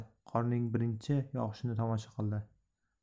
qorning birinchi yog'ishini tomosha qildi